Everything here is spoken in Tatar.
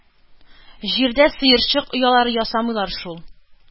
Җирдә сыерчык оялары ясамыйлар шул.